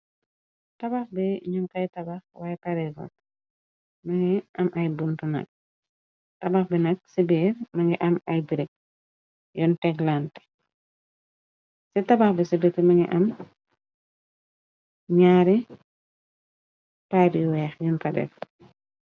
Tabax bi nyun koy tabax waaye paregot mongi am ay buntu nak tabax bi nak ci biir mongi am ay brig yoon teg lanté ci tabax bi ci biti mongi am ñaari pipe yu weex yun fa def.